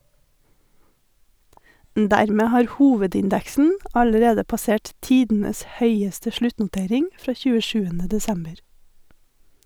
Dermed har hovedindeksen allerede passert tidenes høyeste sluttnotering fra 27. desember.